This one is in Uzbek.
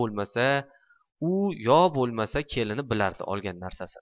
yo bo'lmasa kelini bilardi olgan narsasini